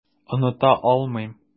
Оныта алмыйм.